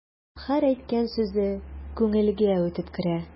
Һәр әйткән сүзе күңелгә үтеп керә.